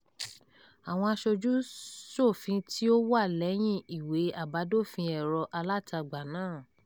Àwọn aṣojú-ṣòfin tí ó wà lẹ́yìn ìwé àbádòfin ẹ̀rọ alátagbà náà